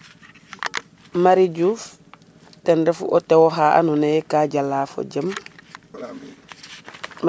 Marie Diouf ten refu o tewo xa ando naye ka jala fojem